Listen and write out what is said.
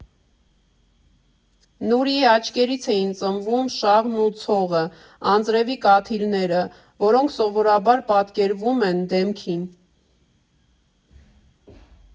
Նուրիի աչքերից էին ծնվում շաղն ու ցողը, անձրևի կաթիլները, որոնք սովորաբար պատկերվում են դեմքին։